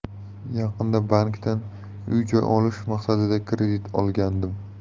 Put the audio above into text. yaqinda bankdan uy joy olish maqsadida kredit olgandim